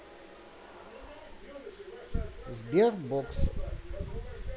sberbox